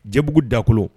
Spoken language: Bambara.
Jabugu dakolo